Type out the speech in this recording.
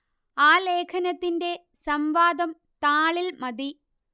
ആ ലേഖനത്തിന്റെ സംവാദം താളില് മതി